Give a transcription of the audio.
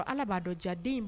Ɔ Ala b'a dɔn ja den in